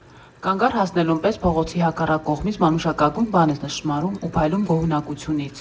Կանգառ հասնելուն պես փողոցի հակառակ կողմից մանուշակագույն բան ես նշմարում ու փայլում գոհունակությունից։